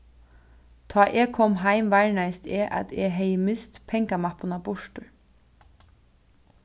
tá eg kom heim varnaðist eg at eg hevði mist pengamappuna burtur